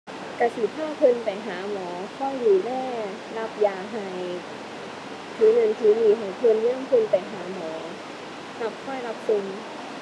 ก็สิพาเพิ่นไปหาหมอ คอยดูแล รับยาให้ ถือนั่นถือนี่ให้เพิ่น ยามเพิ่นไปหาหมอ กับคอยรับส่ง